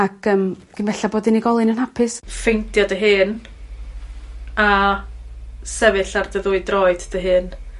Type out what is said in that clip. Ac yym cyn bella bod unigolyn yn hapus. Ffeindio dy hun a sefyll ar dy ddwy droed dy hun.